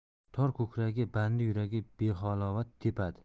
tor ko'kragiga bandi yuragi behalovat tepadi